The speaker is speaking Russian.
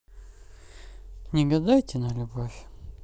не гадайте на любовь